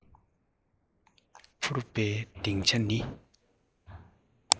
འཕུར པའི གདེང ཆ ནི